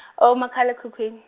oh umakhalekhukhwini.